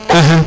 axa